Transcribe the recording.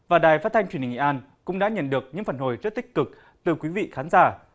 và đài phát thanh truyền hình nghệ an cũng đã nhận được những phản hồi rất tích cực từ quý vị khán giả